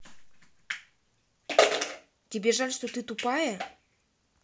тебе жаль что ты тупая